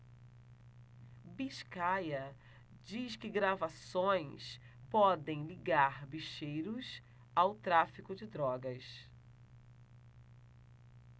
biscaia diz que gravações podem ligar bicheiros ao tráfico de drogas